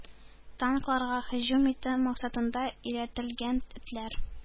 Танкларга һөҗүм итү максатында өйрәтелгән этләр